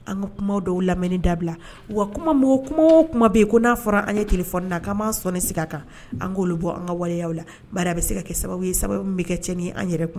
An kuma dɔw lamini dabila wa kuma mɔgɔ kuma bɛ yen ko n'a fɔra an ye tile fɔna ka sɔnni sigi a kan an'olu bɔ an ka waleya la ba bɛ se ka kɛ sababu ye sababu bɛ kɛ cɛn an yɛrɛ kuma